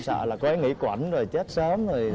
sợ là cô ấy nghĩ quẩn rồi chết sớm rồi